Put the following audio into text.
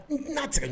N tɛn'a tɛgɛ